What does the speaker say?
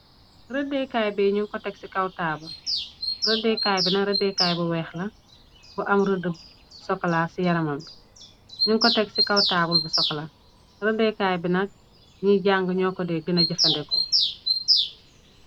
Rëddeekaay bi ñuñ ko tek ci kwaabal rëddekaay bina rëddeekaay bu weexla bu am rëddb sokla ci yaramam bi ñuñ ko tex ci kawtaabal bu sokla rëddekaay bina ñi jàng ñoo ko de gëna jëfandeko.